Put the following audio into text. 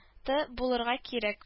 Ты булырга кирәк